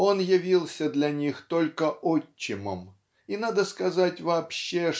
он явился для них только отчимом и надо сказать вообще